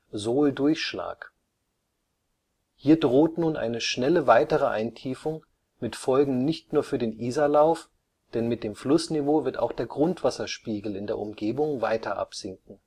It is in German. Sohldurchschlag “). Hier droht nun eine schnelle weitere Eintiefung, mit Folgen nicht nur für den Isarlauf, denn mit dem Flussniveau wird auch der Grundwasserspiegel in der Umgebung weiter absinken